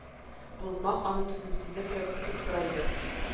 Бузмах аны түземсезлек белән көтеп тора иде